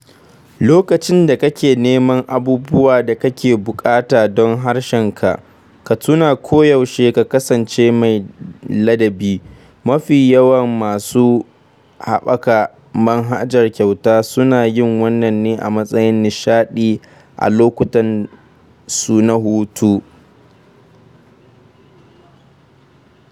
Lokacin da kake neman abubuwa da kake buƙata don harshenka, ka tuna koyaushe ka kasance mai ladabi — mafi yawan masu haɓaka manhaja kyauta suna yin wannan ne a matsayin nishaɗi a lokutan su na hutu.